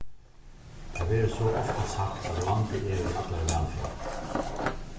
tað verður so ofta sagt at vandi er í allari vælferð